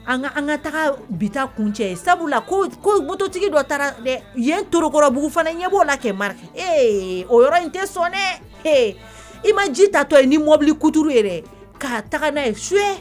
An ka an ka taga bita kuncɛ sabula ko mototigi dɔ taara dɛ yen Torokɔrɔbugu fana i ɲɛ b'o la kɛ Mariki ee o yɔrɔ in tɛ sɔn dɛ he i ma ji taatɔ ye ni mobili kuturu ye dɛ ka taga n'a ye suwɛ